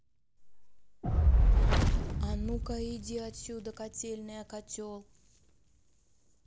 а ну ка иди отсюда котельная котел